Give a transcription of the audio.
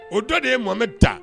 O dɔ de ye Mohamed ta